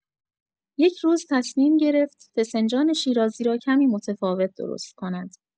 یک روز، تصمیم گرفت فسنجان شیرازی را کمی متفاوت درست کند.